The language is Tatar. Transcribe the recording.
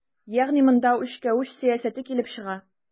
Ягъни монда үчкә-үч сәясәте килеп чыга.